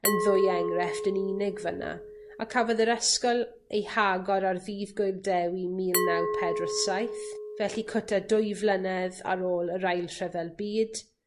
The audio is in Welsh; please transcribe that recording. yn ddwy enghrefft yn unig fyn 'na, a cafodd yr ysgol ei hagor ar ddydd Gwyl Dewi mil naw pedwar saith, felly cwta dwy flynedd ar ôl yr Ail Rhyfel Byd